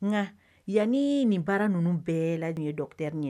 Nka yanani nin baara ninnu bɛɛ docteur